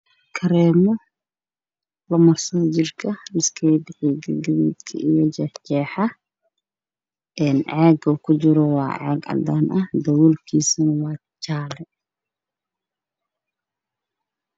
Karemo lamersado jirka caga oow kujiro waa cadan dabolka waa jale